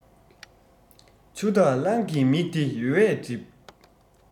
ཆུ འཐག གླང གི མིག དེ ཡོལ བས བསྒྲིབས